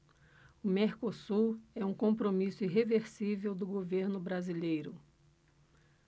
o mercosul é um compromisso irreversível do governo brasileiro